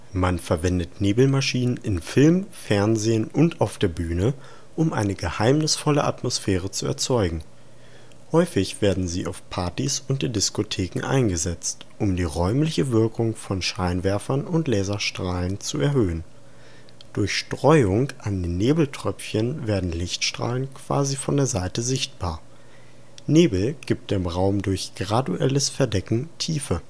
Man verwendet Nebelmaschinen in Film, Fernsehen und auf der Bühne, um eine geheimnisvolle Atmosphäre zu erzeugen. Häufig werden sie auf Partys und in Diskotheken eingesetzt, um die räumliche Wirkung von Scheinwerfern und Laserstrahlern zu erhöhen. Durch Streuung an den Nebeltröpfchen werden Lichtstrahlen quasi von der Seite sichtbar. Nebel gibt dem Raum durch graduelles Verdecken Tiefe